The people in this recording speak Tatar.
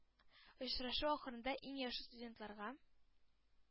Очрашу ахырында иң яхшы студентларга